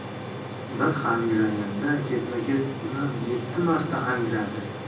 bir hangrashda ketma ket ulab yetti marta hangradi